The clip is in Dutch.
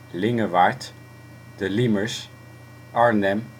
Lingewaard, De Liemers, Arnhem